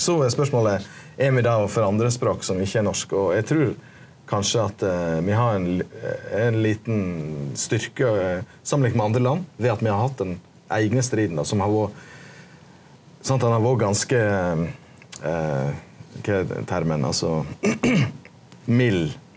so er spørsmålet er me det overfor andre språk som ikkje er norsk og eg trur kanskje at me har ein ein liten styrke samanlikna med andre land ved at me har hatt den eigne striden då som har vore sant han har vore ganske kva er termen altso mild.